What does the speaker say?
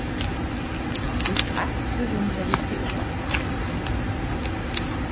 trýst eitt so ringja vit teg uppaftur